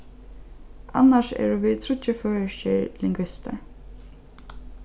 annars eru vit tríggir føroyskir lingvistar